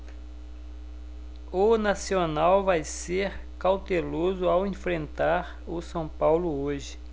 o nacional vai ser cauteloso ao enfrentar o são paulo hoje